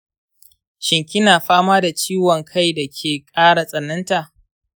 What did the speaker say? shin kina fama da ciwon kai da ke ƙara tsananta?